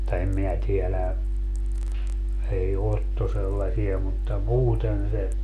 mutta en minä tiedä ei Otto sellaisia mutta muuten se